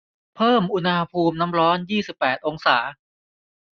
เพิ่มอุณหภูมิน้ำร้อนยี่สิบแปดองศา